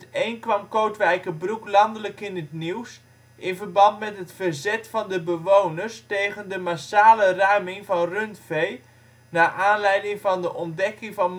1964. In 2001 kwam Kootwijkerbroek landelijk in het nieuws, in verband met het verzet van bewoners tegen de massale ruiming van rundvee naar aanleiding van de ontdekking van